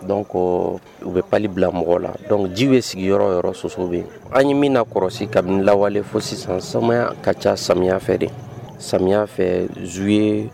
Dɔn ko u bɛ pa bila mɔgɔw la dɔn ji ye sigiyɔrɔ yɔrɔ sosow yen anmina kɔlɔsi kabini lawale fo sisan samiya ka ca samiya fɛ de samiya fɛ zu ye